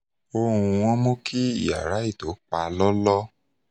Ohùn-un wọn mú kí iyàrá ètò pa lọ́lọ́.